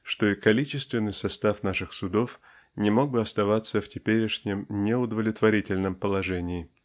что и количественный состав наших судов не мог бы оставаться в теперешнем неудовлетворительном положении.